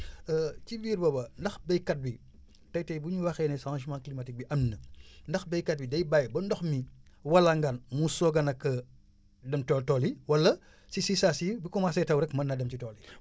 si biir booba ndax baykat bi tey tey bu ñu waxee ne changement climatique bi am na ndax baykat bi day bàyyi ba ndox mi walangaan mu soog a nag dem ca tool yi wala si si saa si bu commencé taw rek mën na dem ci tool bi